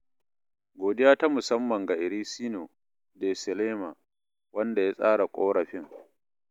Godiya ta musamman ga Ericino de Salema wanda ya tsara ƙorafin.